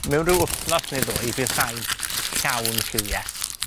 mewn ryw wthnos neu ddwy bydd rhai'n llawn lliwie.